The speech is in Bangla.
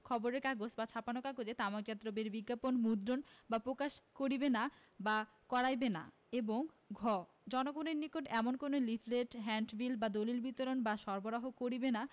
খবরের কাগজ বা ছাপানো কাগজে তামাকজাত দ্রব্যের বিজ্ঞাপন মুদ্রণ বা প্রকাশ করিবে না বা করাইবে না এবং ঘ জনগণের নিকট এমন কোন লিফলেট হ্যান্ডবিল বা দলিল বিতরণ বা সরবরাহ করিবেনা